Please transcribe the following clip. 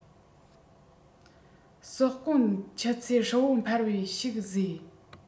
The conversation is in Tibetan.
ཟོག གོང ཆུ ཚད ཧྲིལ པོ འཕར བའི ཞིག བཟོས